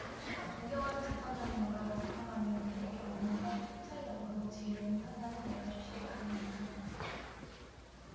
존경하는 재판장님과 재판관님들의 경륜과 통찰력으로 지혜로운 판단을 내려주시기 바랍니다